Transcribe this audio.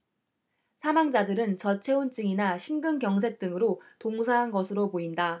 사망자들은 저체온증이나 심근경색 등으로 동사한 것으로 보인다